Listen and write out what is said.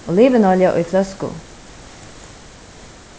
olivinolja í fløsku